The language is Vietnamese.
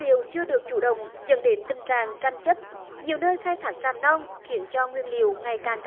liệu chưa được chủ động dẫn đến tình trạng tranh chấp nhiều nơi khai thác tràm non khiến cho nguyên liệu ngày càng